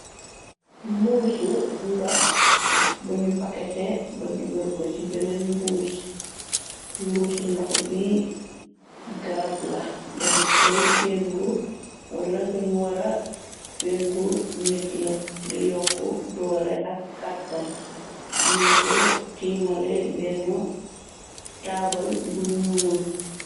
Mbuusu ndox buñu pakate ba dugal ko ci beneen mbuus, mbuusu ndox bi garab la dañ këy pengu, wala luñ wara pengu nit la, di yokk doole ak kàrtan, ñuñ ko tiimale bennu taabal bu ñuun.